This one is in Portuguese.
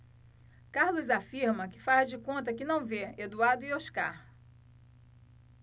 carlos afirma que faz de conta que não vê eduardo e oscar